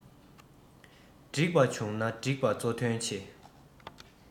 འགྲིག པ བྱུང ན འགྲིགས པ གཙོ དོན ཆེ